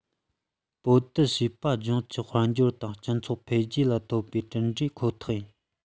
པའོ ཏི ཞེས པའི ལྗོངས ཀྱི དཔལ འབྱོར དང སྤྱི ཚོགས འཕེལ རྒྱས ལ ཐོབ པའི གྲུབ འབྲས པ ཁོ ཐག ཡིན